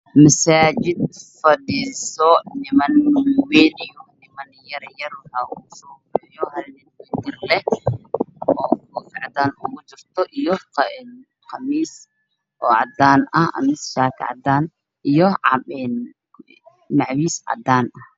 Waa masaajid waxaa fadhiya niman waaweyn iyo ilmo yar yar wey is a fadhiyaan waxa ay ku fadhiyaan roog jaalle ah